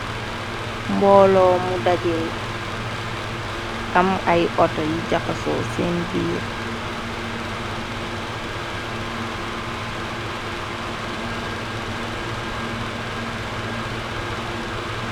Mbooloo mu daje am ay auto yi jaxasoo seen biir.